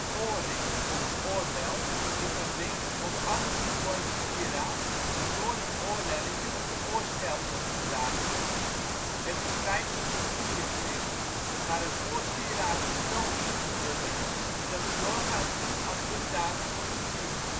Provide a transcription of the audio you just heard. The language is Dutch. oorring of oorbel is een ring of anders gevormd sieraad dat door het oorlelletje of de oorschelp wordt gedragen. Het is feitelijk een piercing, maar een oorsieraad is zo ingeburgerd dat het doorgaans niet als dusdanig wordt gezien